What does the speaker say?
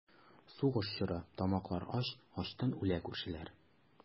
Сугыш чоры, тамаклар ач, Ачтан үлә күршеләр.